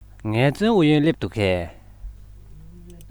ངལ རྩོལ ཨུ ཡོན སླེབས འདུག གས